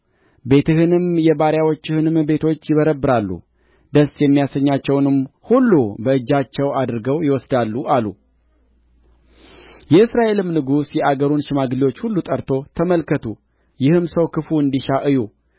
ቤትህንም የባሪያዎችህንም ቤቶች ይበረብራሉ ደስ የሚያሰኛቸውንም ሁሉ በእጃቸው አድርገው ይወስዳሉ አሉ የእስራኤልም ንጉሥ የአገሩን ሽማግሌዎች ሁሉ ጠርቶ ተመልከቱ ይህም ሰው ክፉ እንዲሻ እዩ